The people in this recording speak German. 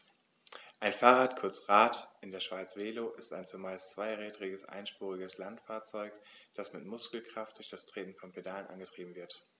Ein Fahrrad, kurz Rad, in der Schweiz Velo, ist ein zumeist zweirädriges einspuriges Landfahrzeug, das mit Muskelkraft durch das Treten von Pedalen angetrieben wird.